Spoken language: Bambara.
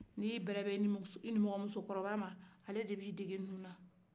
ni ye i bɛrɛbɛ i nimɔgɔmusokɔrɔba ma ale de bɛ i dege ninnu na